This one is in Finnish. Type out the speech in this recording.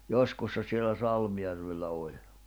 joskus siellä Salmijärvellä oli